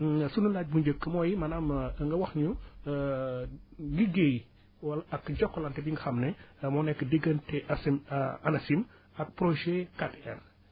ñun suñu laaj bu njëkk mooy maanaam nga wax ñu liggéey wala ak Jokalante bi nga xam ne moo nekk diggante ak seen ANACIM ak projet 4R